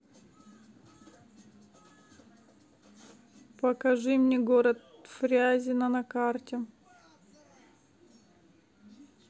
покажи мне город фрязино на карте